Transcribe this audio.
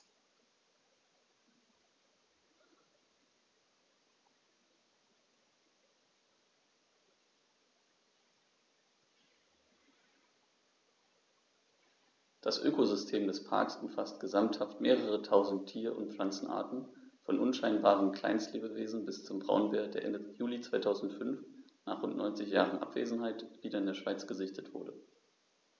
Das Ökosystem des Parks umfasst gesamthaft mehrere tausend Tier- und Pflanzenarten, von unscheinbaren Kleinstlebewesen bis zum Braunbär, der Ende Juli 2005, nach rund 90 Jahren Abwesenheit, wieder in der Schweiz gesichtet wurde.